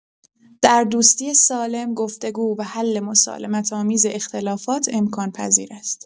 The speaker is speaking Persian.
در دوستی سالم، گفت‌وگو و حل مسالمت‌آمیز اختلافات امکان‌پذیر است.